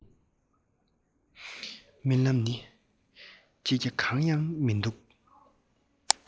རྨི ལམ ནི སྐྱིད རྒྱུ གང ཡང མི འདུག